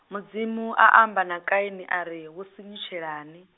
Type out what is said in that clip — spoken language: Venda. Mudzimu a amba na Kaini ari wo sunyutshelani?